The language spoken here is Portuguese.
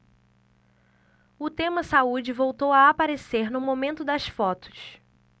o tema saúde voltou a aparecer no momento das fotos